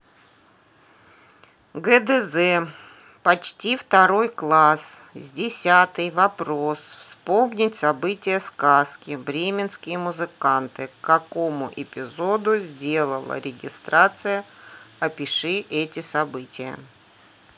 гдз почти второй класс с десятый вопрос вспомнить события сказки бременские музыканты к какому эпизоду сделала регистрация опиши эти события